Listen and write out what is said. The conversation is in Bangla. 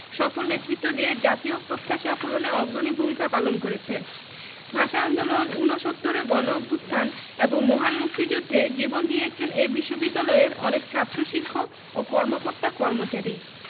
সফল নেতৃত্ব দিয়ে জাতীয় প্রত্যাশা পূরণে অগ্রণী ভূমিকা পালন করেছে ভাষা আন্দোলন উনসত্তুরের গণঅভ্যুত্থান এবং মহান মুক্তিযুদ্ধে জীবন দিয়েছেন এ বিশ্ববিদ্যালয়ের অনেক ছাত্র শিক্ষক ও কর্মকর্তা কর্মচারী